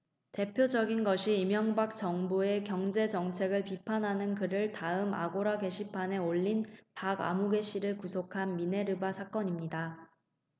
대표적인 것이 이명박 정부의 경제정책을 비판하는 글을 다음 아고라 게시판에 올린 박아무개씨를 구속한 미네르바 사건입니다